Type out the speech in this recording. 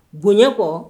Bonya kɔ